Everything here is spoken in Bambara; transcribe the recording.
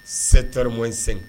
Setarima in sen